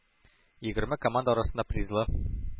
Егерме команда арасында призлы